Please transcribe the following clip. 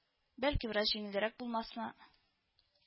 Бәлки бераз җиңелрәк булмасмы